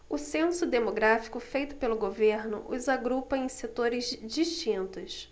o censo demográfico feito pelo governo os agrupa em setores distintos